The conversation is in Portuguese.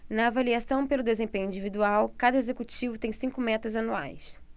na avaliação pelo desempenho individual cada executivo tem cinco metas anuais